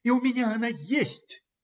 - И у меня она есть!